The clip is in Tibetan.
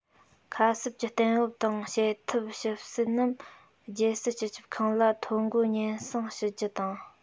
ཁ གསབ ཀྱི གཏན འབེབས དང བྱེད ཐབས ཞིབ གསལ རྣམས རྒྱལ སྲིད སྤྱི ཁྱབ ཁང ལ ཐོ འགོད སྙན སེང ཞུ རྒྱུ དང